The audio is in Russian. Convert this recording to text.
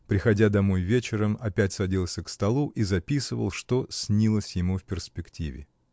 приходя домой вечером, опять садился к столу и записывал, что снилось ему в перспективе.